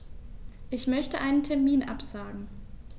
Ich möchte einen Termin absagen.